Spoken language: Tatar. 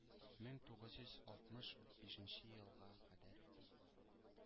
Мең тугыз йөз алтмыш бишенче елга кадәр